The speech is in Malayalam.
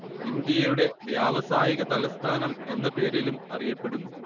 ഇന്ത്യയുടെ വ്യാവസായിക തലസ്ഥാനം എന്ന പേരിലും അറിയപ്പെടുന്നു